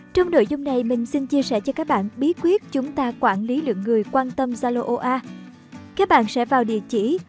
trong nội dung này mình xin chia sẻ cho các bạn bí quyết chúng ta quản lý lượng người quan tâm zalo oa các bạn sẽ vào địa chỉ